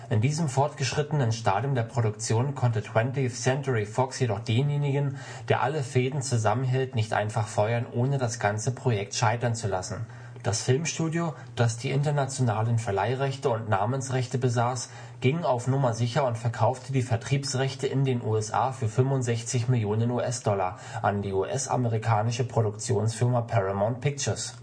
In diesem fortgeschrittenen Stadium der Produktion konnte 20th Century Fox jedoch denjenigen, der alle Fäden zusammenhält nicht einfach feuern, ohne das ganze Projekt scheitern zu lassen. Das Filmstudio, das die internationalen Verleihrechte und Namensrechte besaß, ging auf Nummer sicher und verkaufte die Vertriebsrechte in den USA für 65 Millionen US-Dollar an die US-amerikanische Produktionsfirma Paramount Pictures